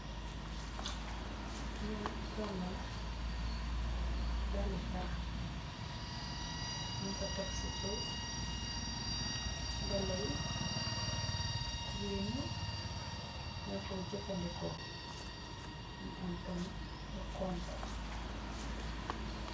Li nak daala la daali charax nyun ko tek si suuf daala yi jigeen yi nyo koi jefendeko mongi am tamit lu xonxu.